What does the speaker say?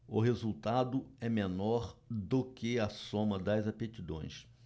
o resultado é menor do que a soma das aptidões